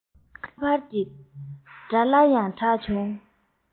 ཁ པར གྱི སྒྲ སླར ཡང གྲགས བྱུང